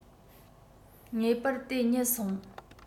ངེས པར དེ གཉིད སོང